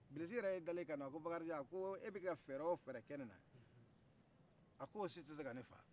bilisi yɛrɛ y'i talen kanto a ko bakarijan ko e bɛ ka fɛɛrɛ o fɛɛrɛ kɛ ne la a k'o si tise ka ne faga